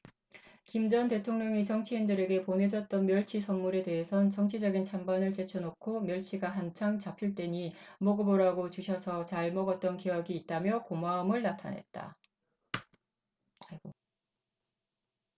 김 전 대통령이 정치인들에게 보내줬던 멸치 선물에 대해선 정치적인 찬반을 제쳐놓고 멸치가 한창 잡힐 때니 먹어보라고 주셔서 잘 먹었던 기억이 있다며 고마움을 나타냈다